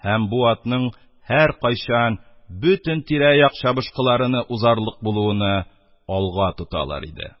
Һәм бу атның һәркайчан бөтен тирә-як чабышкыларыны узарлык булуыны алга тоталар иде.